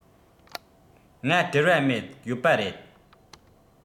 ང བྲེལ བ མེད ཡོད པ རེད